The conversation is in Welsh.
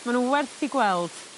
Ma' n'w werth 'u gweld.